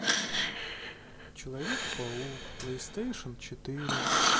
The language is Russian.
человек паук плейстейшн четыре